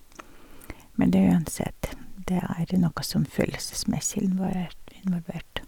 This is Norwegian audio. Men det er uansett, det er noe som følelsesmessig invåert involvert.